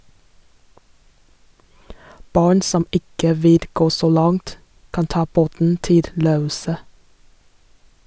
Barn som ikke vil gå så langt, kan ta båten til Røoset.